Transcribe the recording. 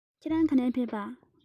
ཁྱེད རང ག ནས ཕེབས པས